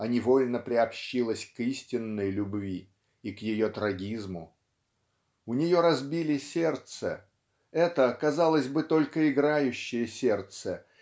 а невольно приобщилась к истинной любви и к ее трагизму. У нее разбили сердце это казалось бы только играющее сердце